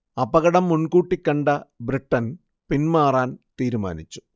അപകടം മുൻകൂട്ടി കണ്ട ബ്രിട്ടൻ പിന്മാറാൻ തീരുമാനിച്ചു